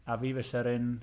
A fi fysa'r un...